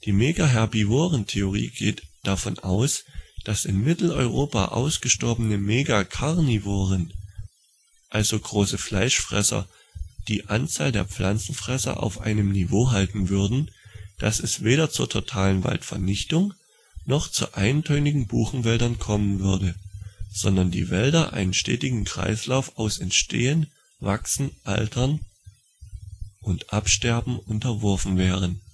Megaherbivorentheorie geht davon aus, dass die in Mitteleuropa ausgestorbenen Megacarnivoren, also große Fleischfresser die Anzahl der Pfanzenfresser auf einem Niveau halten würden, dass es weder zur totalen Waldvernichtung, noch zu eintönigen Buchenwäldern kommen würde, sondern die Wälder einem stetigen Kreislauf aus entstehen, wachsen, altern und absterben unterworfen wären